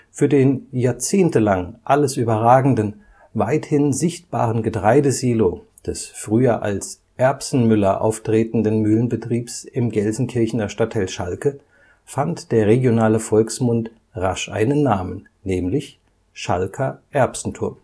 Für den jahrzehntelang alles überragenden, weithin sichtbaren Getreidesilo des früher als Erbsen-Müller auftretenden Mühlenbetriebs im Gelsenkirchener Stadtteil Schalke fand der regionale Volksmund rasch einen Namen: „ Schalker Erbsenturm